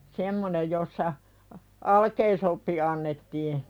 semmoinen jossa - alkeisoppi annettiin